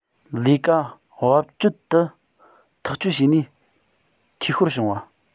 ལས ཀ བབ ཅོལ དུ ཐག གཅོད བྱས ནས འཐུས ཤོར བྱུང བ